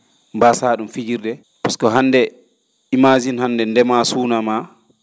mbasaaa ?um fijirde pasque hannde imagine hannde ndemaa suuna maa